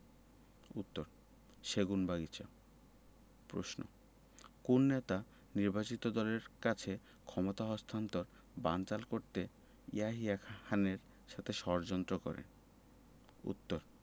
উত্তরঃ সেগুনবাগিচা প্রশ্ন কোন নেতা নির্বাচিত দলের কাছে ক্ষমতা হস্তান্তর বানচাল করতে ইয়াহিয়া খানের সাথে ষড়যন্ত্র করেন উত্তরঃ